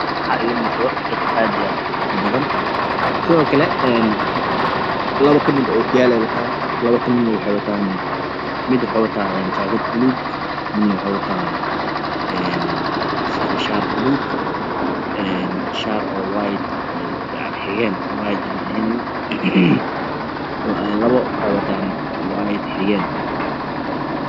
Waxaa iiga muuqda dad aad iyo aad u badan sidoo kale een 2 ka mid okiyalo wataan 2 ka mid ahna waxay wataan mid wuxu wata jaakad buluug mida wuxuu wataa een shaar buluug een shaar oo white oo yacni xigeen oo white aan ahayn 2 waxay wataan white xigeen